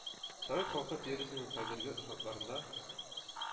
«совет халкы» теориясенең хәзерге шартларда